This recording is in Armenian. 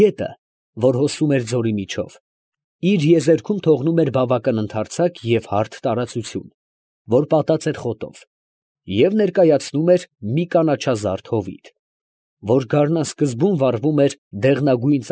Գետը», որ հոսում էր ձորի միջով, իր եզերքում թողնում էր բավական ընդարձակ և հարթ տարածություն, որ պատած էր խոտով, և ներկայացնում էր մի կանաչազարդ հովիտ, որ գարնան սկզբում վառվում էր դեղնագույն։